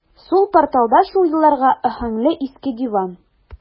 Сул порталда шул елларга аһәңле иске диван.